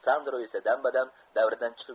sandro esa dam badam davradan chiqib